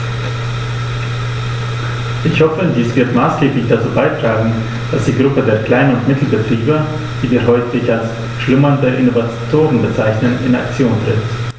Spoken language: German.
Ich hoffe, dies wird maßgeblich dazu beitragen, dass die Gruppe der Klein- und Mittelbetriebe, die wir häufig als "schlummernde Innovatoren" bezeichnen, in Aktion tritt.